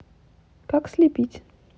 как слепить